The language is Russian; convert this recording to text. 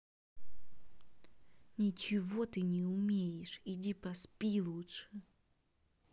ничего ты не умеешь иди поспи лучше